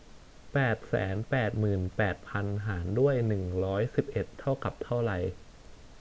แปดแสนแปดหมื่นแปดพันหารด้วยหนึ่งร้อยสิบเอ็ดเท่ากับเท่าไร